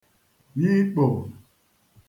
yikpò